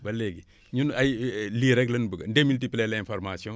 ba léegi ñun ay lii rek lan bëgg démultiplier l' information